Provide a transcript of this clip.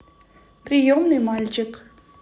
приемный мальчик